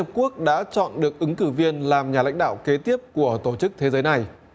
quốc đã chọn được ứng cử viên làm nhà lãnh đạo kế tiếp của tổ chức thế giới này